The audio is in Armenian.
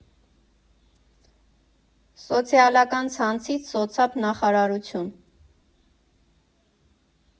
Սոցիալական ցանցից՝ սոցապ նախարարություն։